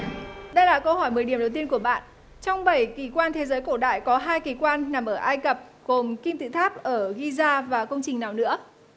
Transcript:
đây là câu hỏi mười điểm đầu tiên của bạn trong bảy kỳ quan thế giới cổ đại có hai kỳ quan nằm ở ai cập gồm kim tự tháp ở gi da và công trình nào nữa